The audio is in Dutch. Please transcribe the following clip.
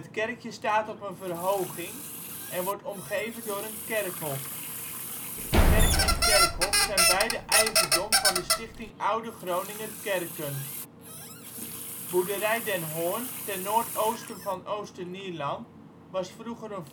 kerkje staat op een verhoging en wordt omgeven door een kerkhof. Kerk en kerkhof zijn beide eigendom van de Stichting Oude Groninger Kerken. Boerderij Den Hoorn ten noordoosten van Oosternieland was vroeger